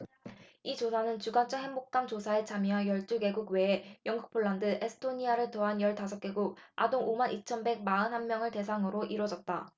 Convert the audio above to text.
이 조사는 주관적 행복감 조사에 참여한 열 두 개국 외에 영국 폴란드 에스토니아를 더한 열 다섯 개국 아동 오 만 이 천 백 마흔 한 명을 대상으로 이뤄졌다